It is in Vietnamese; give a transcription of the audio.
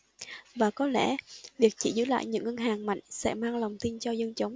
và có lẽ việc chỉ giữ lại những ngân hàng mạnh sẽ mang lòng tin cho dân chúng